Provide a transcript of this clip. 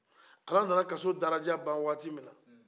ala nana kaso dalaja ban waati mina